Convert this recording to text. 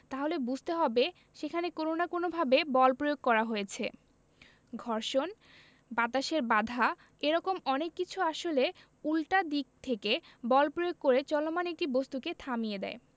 তাহলে বুঝতে হবে সেখানে কোনো না কোনোভাবে বল প্রয়োগ করা হয়েছে ঘর্ষণ বাতাসের বাধা এ রকম অনেক কিছু আসলে উল্টা দিক থেকে বল প্রয়োগ করে চলমান একটা বস্তুকে থামিয়ে দেয়